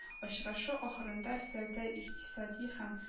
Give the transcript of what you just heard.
Очрашу ахырында сәүдә-икътисади һәм